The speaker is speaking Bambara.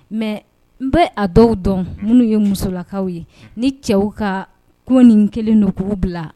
Nka n bɛ a dɔw dɔn minnu ye musolakaw ye ni cɛw ka ko ni kelen donkuru bila